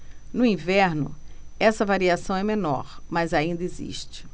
no inverno esta variação é menor mas ainda existe